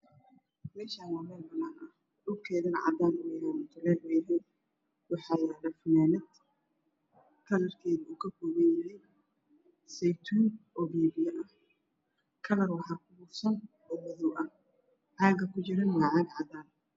Meeshaani waa meel banaan ah dhulkeedana cadaan uu yahay mutuleel uu yahay waxaa yaalo funaanad kalarkeedu uu ka koobanayahay saytuun oo biyo biyo ah kalar oo waxaa ku buufsan oo madow ah caaga ku jirana waa caag cadaan ah